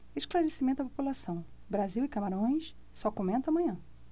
esclarecimento à população brasil e camarões só comento amanhã